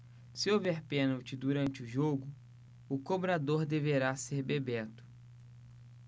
se houver pênalti durante o jogo o cobrador deverá ser bebeto